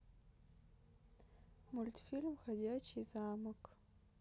мультфильм ходячий замок